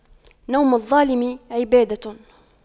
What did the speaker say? نوم الظالم عبادة